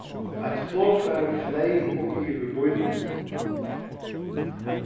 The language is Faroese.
eitt flogfar fleyg uppi yvir býnum